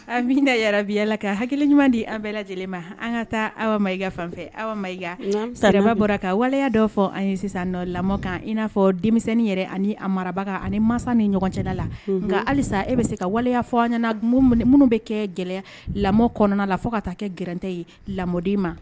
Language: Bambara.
A min da yɛrɛbi yalala ka hakili ɲuman di an bɛɛ lajɛlen ma an ka taa aw ma ika fanfɛ aw ma i saba bɔra kan waleya dɔ fɔ an ye sisan lamɔ kan in n'a fɔ denmisɛnnin yɛrɛ ani mara kan ani masa ni ɲɔgɔncɛ la nka halisa e bɛ se ka waleya fɔ an nana minnu bɛ kɛ gɛlɛya lamɔ kɔnɔna la fo ka taa kɛ gte ye lamɔden ma